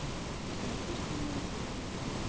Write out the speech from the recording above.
Утыра бирсеннәр!